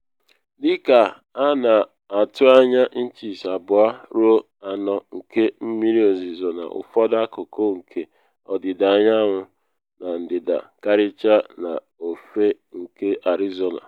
Dị ka a na atụ anya inchis 2 ruo 4 nke mmiri ozizo n’ụfọdụ akụkụ nke Ọdịda anyanwụ na ndịda, karịchaa n’ofe nke Arizona.